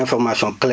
day ànd ak ndox bi dem